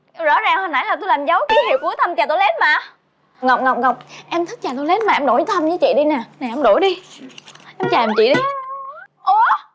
rõ ràng hồi nãy tôi làm dấu kí hiệu của thanh chà tô lét mà ngọc ngọc ngọc em thích chà tô lét mà em đổi thanh với chị đi nè em đổi đi em chà dùm chị đi ủa